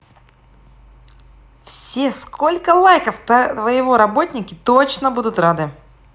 все сколько лайков твоего работники точно будут рады